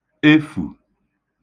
efù